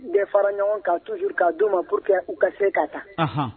N bɛɛ fara ɲɔgɔn ka tuuuru k'a di u ma pour que u ka se k ka ta